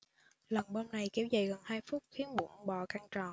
lần bơm này kéo dài gần hai phút khiến bụng bò căng tròn